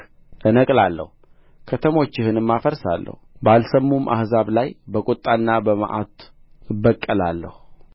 እነቅላለሁ ከተሞችህንም አፈርሳለሁ ባልሰሙም አሕዛብ ላይ በቍጣና በመዓት እበቀላለሁ